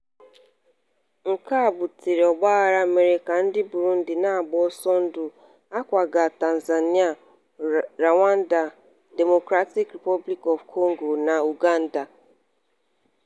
Nke a butere ọgbaaghara mere ka ndị Burundi na-agba ọsọ ndụ akwaga Tanzania, Rwanda, Democratic Republic of Congo (DRC) na Uganda.